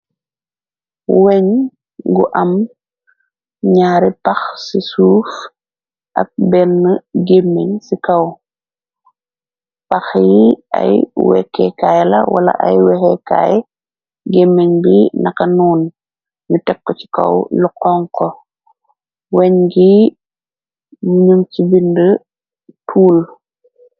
Weñ gu am ñaari pax ci suuf, ak bénn géming ci kaw, pax yi ay wekkekaay la, wala ay wekekaay, géming bi naxanoon nu tokk ci kaw lu xonko, weñ gi num ci bind tuul.